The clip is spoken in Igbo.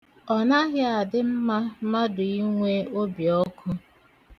Ọ naghị adị mma mmadụ inwe obiọkụ.